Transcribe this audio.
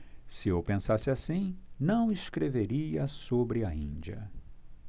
se eu pensasse assim não escreveria sobre a índia